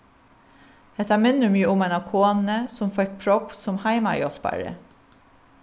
hetta minnir meg um eina konu sum fekk prógv sum heimahjálpari